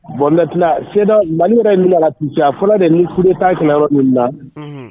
Bɔnti seda mali wɛrɛ in min la tu a fɔlɔ de ni tile taa kalan yɔrɔ min na